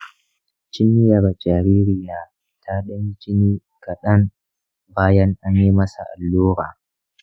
cinyar jaririna ta ɗanyi jini kaɗan bayan an yi masa allura.